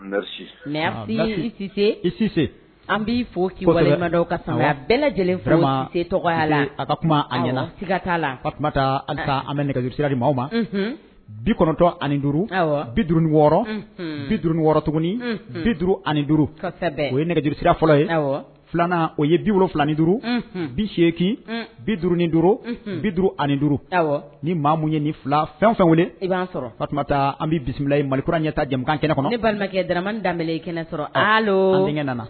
An fɔ bɛɛ lajɛlen ma se tɔgɔya la a kuma an bɛ nɛgɛjurusira ma bi kɔnɔntɔ ani duuru bi wɔɔrɔ bi wɔɔrɔ tuguni bi duuru ani duuru o ye nɛgɛurusira fɔlɔ filanan o ye bi wolofila ni duuru bi seeki bi duuru duuru bi duuru ani duuru ni maamu ye ni fila fɛn fɛn i b'a an bisimila mali kura an ɲɛta jamanakan kɛnɛ kɔnɔ ne balimakɛ d da sɔrɔ nana